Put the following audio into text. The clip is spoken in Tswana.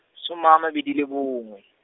soma a mabedi le boronngwe.